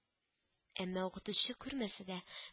Әмма укытучы күрмәсә дә